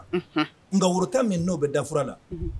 Nka worota min n'o bɛ dafafa la